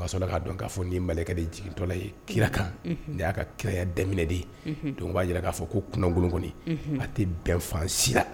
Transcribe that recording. A sɔrɔla ka dɔn ka fɔ ko nin ye mɛlɛkɛ de jigin tɔ la ye kira kan, unhun, ni y'a ka kiraya daminɛnen ye, donc o b'a jira k'a fɔ ko kunkolon kɔni, unhun, a tɛ bɛn fansi la.